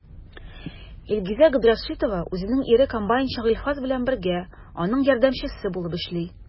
Илгизә Габдрәшитова үзенең ире комбайнчы Гыйльфас белән бергә, аның ярдәмчесе булып эшли.